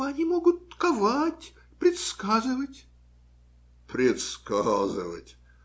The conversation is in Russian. - Они могут ковать, предсказывать. - Предсказывать!